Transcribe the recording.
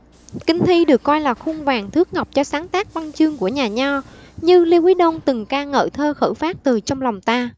kinh thi được coi là khuôn vàng thước ngọc cho sáng tác văn chương của nhà nho như lê quý đôn từng ca ngợi thơ khởi phát từ trong lòng ta